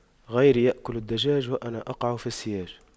غيري يأكل الدجاج وأنا أقع في السياج